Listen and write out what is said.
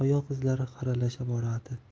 oyoq izlari xiralasha boradi